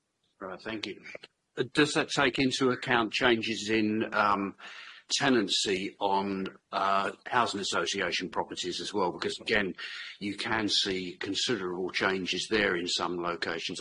Right thank you. Yy does that take into account changes in yym tenancy on uh housing association properties as well because again you can see considerable changes there in some locations.